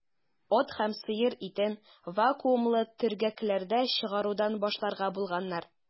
Ат һәм сыер итен вакуумлы төргәкләрдә чыгарудан башларга булганнар.